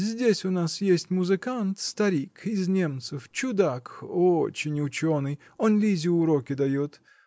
Здесь у нас есть музыкант, старик, из немцев, чудак, очень ученый он Лизе уроки дает